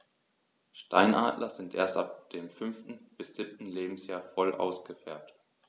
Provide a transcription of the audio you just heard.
Steinadler sind erst ab dem 5. bis 7. Lebensjahr voll ausgefärbt.